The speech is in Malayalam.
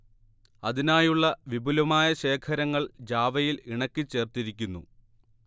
അതിനായുള്ള വിപുലമായ ശേഖരങ്ങൾ ജാവയിൽ ഇണക്കിച്ചേർത്തിരിക്കുന്നു